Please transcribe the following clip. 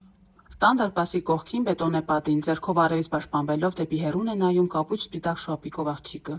Տան դարպասի կողքին՝ բետոնե պատին, ձեռքով արևից պաշտպանվելով դեպի հեռուն է նայում կապույտ֊սպիտակ շապիկով աղջիկը.